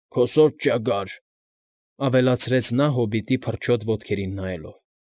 Քոսոտ ճագար,֊ ավելացրեց նա հոբիտի փրչոտ ոտքերին նայելով։